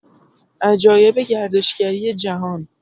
عجایب گردشگری جهان